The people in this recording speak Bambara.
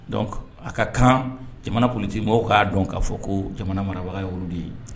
Dɔn a ka kan jamana pti mɔgɔw k'a dɔn k ka fɔ ko jamana marabaga olu de ye